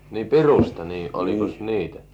niin pirusta olikos niitä